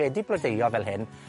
wedi blodeuo fel hyn,